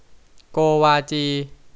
โกวาจี